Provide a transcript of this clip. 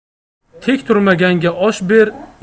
tek turmaganga osh ber